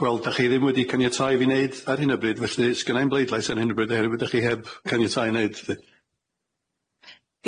Yy wel dach chi ddim wedi caniatáu i fi neud ar hyn o bryd felly sgennai'm bleidlais ar hyn o bryd oherwydd ydach chi heb caniatáu i neud lly?